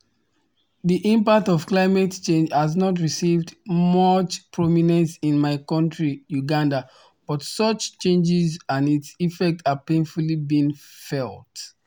The impact of climate change has not received much prominence in my country Uganda but such changes and its effects are painfully being felt.